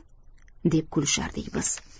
deb kulishardik biz